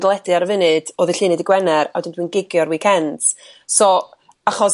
deledu ar y funud o ddydd Llun i dydd Gwener a wedyn dwi'n gigio ar weekends. So achos